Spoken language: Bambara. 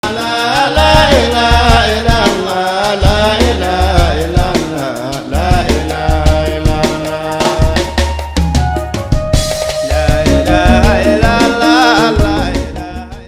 MUSIQUE ET CHANSON